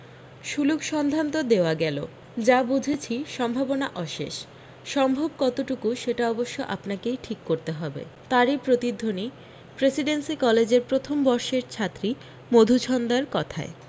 সুলুক সন্ধান তো দেওয়া গেল যা বুঝেছি সম্ভাবনা অশেষ সম্ভব কতটুকু সেটা অবশ্য আপনাকই ঠিক করতে হবে তারি প্রতিধ্বনি প্রেসিডেন্সি কলেজের প্রথম বর্ষের ছাত্রী মধুছন্দার কথায়